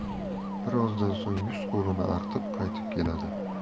bir ozdan so'ng yuz qo'lini artib qaytib keladi